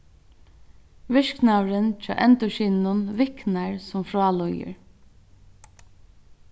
virknaðurin hjá endurskinum viknar sum frá líður